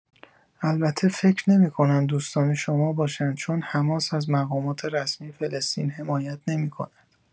البته فکر نمی‌کنم دوستان شما باشند چون حماس از مقامات رسمی فلسطین حمایت نمی‌کند.